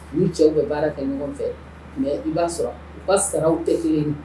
Ni cɛw bɛ baara kɛ ɲɔgɔn fɛ mais i b'a sɔrɔ u ka saraw tɛ kelen ye